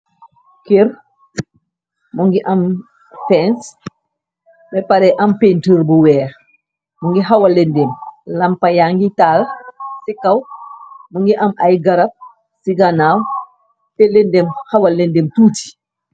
Kerr mungy am fence, beh pareh am peintur bu wekh, mungy hawah leundem, lampah yangy taal cii kaw, mungy am aiiy garab cii ganaw, teh leundem hawah leundem tuti.